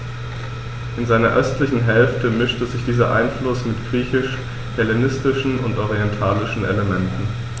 In seiner östlichen Hälfte mischte sich dieser Einfluss mit griechisch-hellenistischen und orientalischen Elementen.